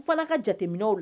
N fana ka jate minɛw la.